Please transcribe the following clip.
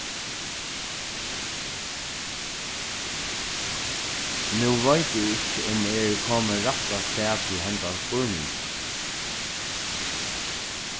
nú veit eg ikki um eg eri komin rætta stað til hendan spurningin